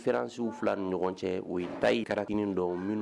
Fɛransiww fila ni ɲɔgɔn cɛ o ta y'i ka kelen don minnu